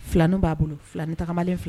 Filanin b'a bolo filanin tagalen filɛ